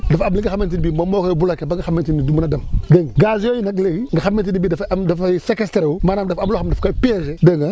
dafa am li nga xamante ne bii moom moo koy bloquer ba nga xamante ni bii du mun a dem dégg nga gaz yooyu nag léegi nga xamante ni bii dafay am dafay sequestré wu maanaam dafa am loo xam daf koy piégé dégg nga ah